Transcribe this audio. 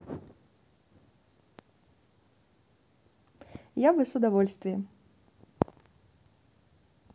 я бы с удовольствием